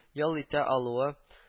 Ял итә алуы